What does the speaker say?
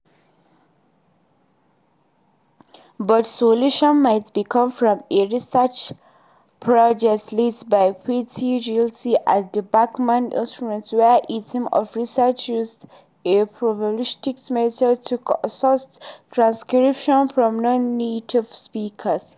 But solutions might be coming from a research project led by Preethi Jyothi at the Beckman Institute, where a team of researchers used a probabilistic method to crowdsource transcriptions from non-native speakers.